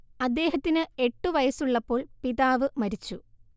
അദ്ദേഹത്തിന്‌ എട്ടു വയസ്സുള്ളപ്പോൾ പിതാവ് മരിച്ചു